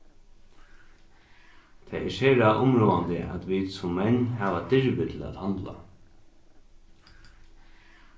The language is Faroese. tað er sera umráðandi at vit sum menn hava dirvi til at handla